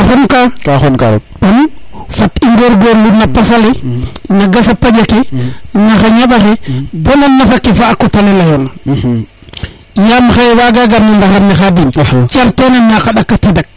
ka xon ka rek ka xon ka fat i ngorgorlu na pasa le na gasa paƴa ke na xa ñaɓa xe bona nafa ke fo a paƴa ke leyona yaam xaye waga gar no ndaxar ne khadim carten a naqa ɗaka tadak